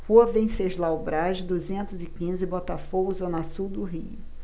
rua venceslau braz duzentos e quinze botafogo zona sul do rio